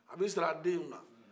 a bɛ a sara a denw la